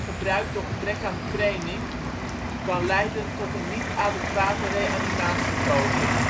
gebruik door gebrek aan training kan leiden tot een niet adequate reanimatiepoging.